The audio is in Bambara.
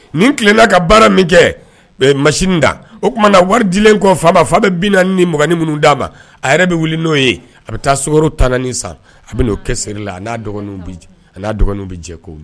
Nin tilenna ka baara min kɛ mansin na o tumana wari dilen kɔ fa ma fa bɛ bi naani ni mugannin minnu d'a ma a yɛrɛ bɛ wuli n'o ye a bɛ taa sukaro tannanin san a bɛ n'o kɛ seri la a n'a dɔgɔnin a n'a dɔgɔninw bɛ jɛ k'o